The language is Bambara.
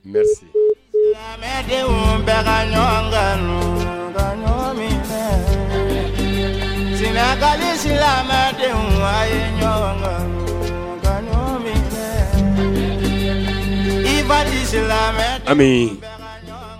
Mɛdenw tun bɛ ka ɲɔgɔn kan min tileka den ma ye ɲɔgɔn kan ka ɲɔ min i balama ka min